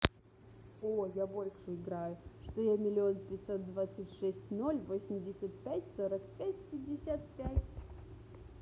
о я больше играю что я миллион пятьсот двадцать шесть ноль восемьдесят пять сорок пять пятьдесят пять